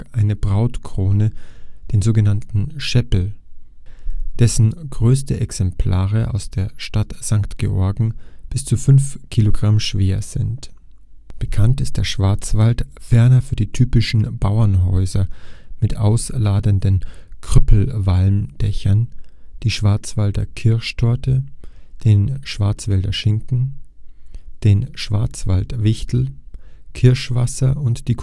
eine Brautkrone, den so genannten Schäppel, dessen größte Exemplare aus der Stadt St. Georgen bis zu fünf Kilogramm schwer sind. Bekannt ist der Schwarzwald ferner für die typischen Bauernhäuser mit ausladenden Krüppelwalmdächern, die Schwarzwälder Kirschtorte, den Schwarzwälder Schinken, den Schwarzwaldwichtel, Kirschwasser und die